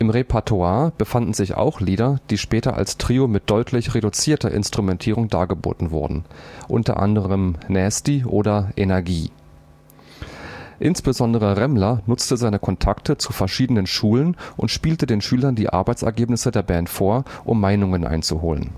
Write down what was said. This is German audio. Repertoire befanden sich auch Lieder, die später als Trio mit deutlich reduzierter Instrumentierung dargeboten wurden (u. a. „ Nasty “oder „ Energie “). Insbesondere Remmler nutzte seine Kontakte zu verschiedenen Schulen und spielte den Schülern die Arbeitsergebnisse der Band vor, um Meinungen einzuholen